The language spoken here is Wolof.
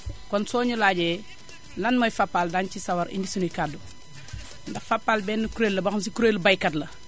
kon soo ñu laajee lan mooy Fapal daañu si sawar indi suñuy kàddu ndax Fapal benn kuréel la boo xam ne ci kuréelu baykat la